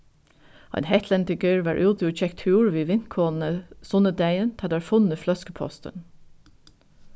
ein hetlendingur var úti og gekk túr við vinkonuni sunnudagin tá tær funnu fløskupostin